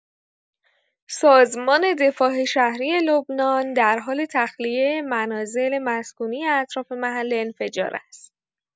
سازمان دفاع شهری لبنان در حال تخلیه منازل مسکونی اطراف محل انفجار است.